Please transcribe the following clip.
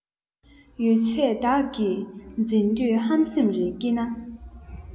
ཡོད ཚད བདག གིར འཛིན འདོད ཧམ སེམས རེ སྐྱེས ན